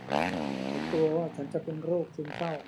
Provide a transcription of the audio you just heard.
ฉันกลัวว่าฉันจะเป็นโรคซึมเศร้า